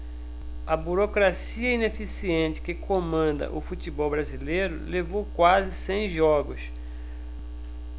a burocracia ineficiente que comanda o futebol brasileiro levou quase cem jogos